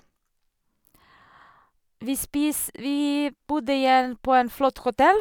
vi spis Vi bodde i en på en flott hotell.